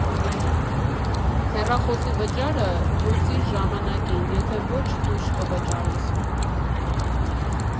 Հեռախոսի վճարը մուծի՛ր ժամանակին, եթե ոչ՝ տույժ կվճարես։